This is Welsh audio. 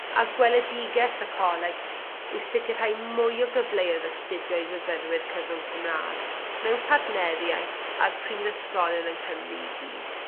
A gweledigeth y Coleg yw sicirhau mwy o gyfleoedd astudio i fyfyrwyr cyfrwng Cymra'g mewn partneriaeth â'r prifysgolion yng Nghymru i gyd.